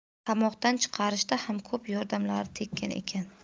qamoqdan chiqarishda ham ko'p yordamlari tekkan ekan